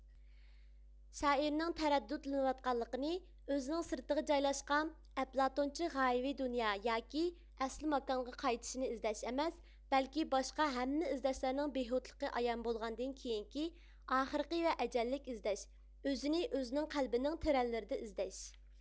شائىرنىڭ تەرەددۇتلىنىۋاتقىنى ئۆزىنىڭ سىرتىغا جايلاشقان ئەپلاتونچە غايىۋى دۇنيا ياكى ئەسلى ماكانغا قايتىشنى ئىزدەش ئەمەس بەلكى باشقا ھەممە ئىزدەشلەرنىڭ بىھۇدىلىقى ئايان بولغاندىن كېيىنكى ئاخىرقى ۋە ئەجەللىك ئىزدەش ئۆزىنى ئۆزىنىڭ قەلبىنىڭ تىرەنلىرىدە ئىزدەش